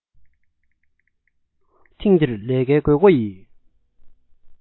ཐེངས འདིར ལས ཀའི དགོས མཁོ ཡི